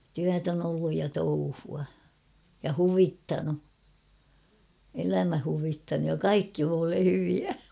työtä on ollut ja touhua ja huvittanut elämä huvittanut ja kaikki minulle hyviä